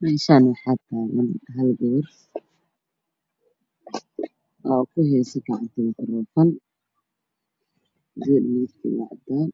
Meshan waxa tagan halgabar oo kuheyso gacanta makarofan midabked waa cadan